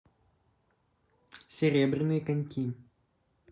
серебряные коньки